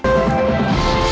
chào